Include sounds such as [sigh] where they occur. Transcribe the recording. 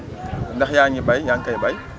[crosstalk] ndax yaa ngi béy yaa ngi kay bay